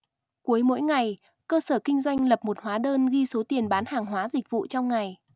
cuối mỗi ngày cơ sở kinh doanh lập một hóa đơn ghi số tiền bán hàng hóa dịch vụ trong ngày